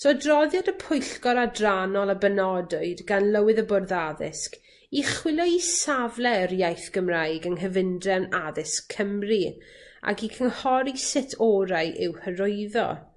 So adroddiad y Pwyllgor Adrannol a benodwyd, gan lywydd y Bwrdd Addysg i chwilio i safle yr iaith Gymraeg yng nghyfundrefn addysg Cymru ag i cynghori sut orau i'w hyrwyddo.